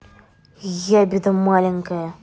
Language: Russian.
ябеда маленькая